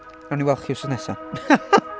Wnawn ni weld chi wythnos nesa.